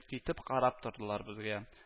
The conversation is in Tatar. Китеп карап тордылар безгә